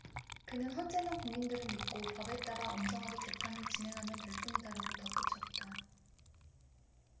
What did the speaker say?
그는 헌재는 국민들을 믿고 법에 따라 엄정하게 재판을 진행하면 될 뿐이다라고 덧붙였다